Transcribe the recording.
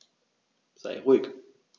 Sei ruhig.